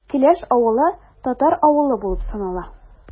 Келәш авылы – татар авылы булып санала.